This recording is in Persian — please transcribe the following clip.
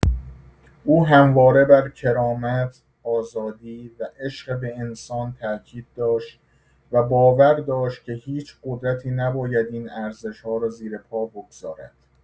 او همواره بر کرامت، آزادی و عشق به انسان تأکید داشت و باور داشت که هیچ قدرتی نباید این ارزش‌ها را زیر پا بگذارد.